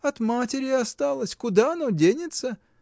От матери осталось: куда оно денется?